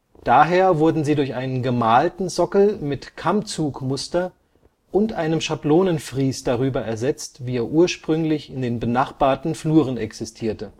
Daher wurden sie durch einen gemalten Sockel mit Kammzugmuster und einem Schablonenfries darüber ersetzt, wie er ursprünglich in den benachbarten Fluren existierte